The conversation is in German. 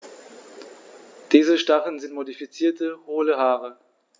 Diese Stacheln sind modifizierte, hohle Haare.